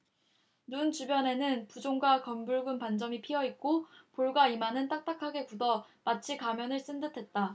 눈 주변에는 부종과 검붉은 반점이 피어 있고 볼과 이마는 딱딱하게 굳어 마치 가면을 쓴 듯했다